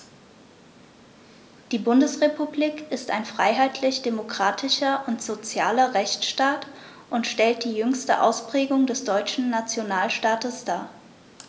Die Bundesrepublik ist ein freiheitlich-demokratischer und sozialer Rechtsstaat und stellt die jüngste Ausprägung des deutschen Nationalstaates dar.